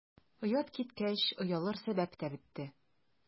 Оят киткәч, оялыр сәбәп тә бетте.